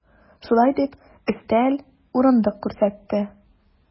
Шулай дип, өстәл, урындык күрсәтте.